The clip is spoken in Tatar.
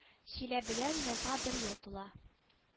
Чиләбедән язга бер ел тула